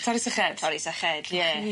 Torri sached. Torri syched ie.